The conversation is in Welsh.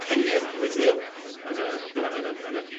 penne'r Gwyddyl yn y bly- yn yn y